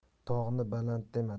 tog'ni baland dema